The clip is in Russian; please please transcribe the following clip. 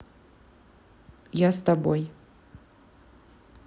я с тобой